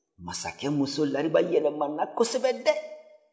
masakɛ muso lariba yɛlɛmana kosɛbɛ dɛ